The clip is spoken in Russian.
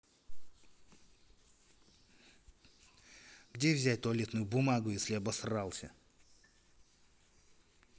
где взять туалетную бумагу если обосрался